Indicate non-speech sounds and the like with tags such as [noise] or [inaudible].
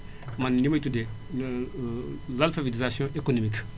man li may tuddee [hesitation] l' alphabétisation économique